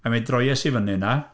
Ac mi droies i fyny 'na...